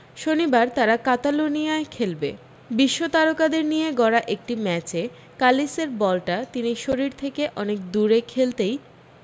শনিবার তারা কাতালুনিয়ায় খেলবে বিশ্বতারকাদের নিয়ে গড়া একটি ম্যাচে কালিসের বলটা তিনি শরীর থেকে অনেক দূরে খেলতেই